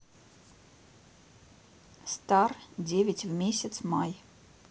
star девять в месяц май